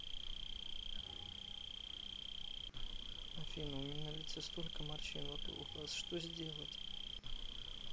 афина у меня на лице столько морщин вокруг глаз что надо сделать